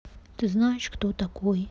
ты знаешь кто такой